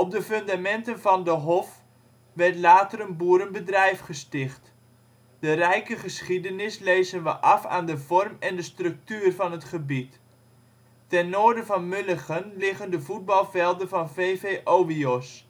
de fundamenten van de Hoff werd later een boerenbedrijf gesticht. De rijke geschiedenis lezen we af aan de vorm en de structuur van het gebied. Ten noorden van Mullegen liggen de voetbalvelden van vv OWIOS